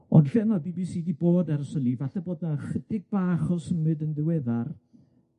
Ond lle ma'r Bee Bee See 'di bod ers hynny, falle bod 'na chydig bach o symud yn ddiweddar